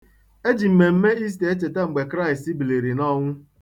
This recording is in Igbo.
E ji mmemme Ista echeta mgbe Kraịst biliri n'ọnwụ.